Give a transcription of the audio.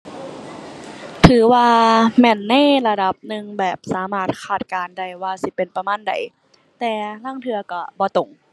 ถือว่าแม่นในระดับหนึ่ง แบบสามารถคาดการณ์ได้ว่าสิเป็นประมาณใด แต่ลางเทื่อก็บ่ตรง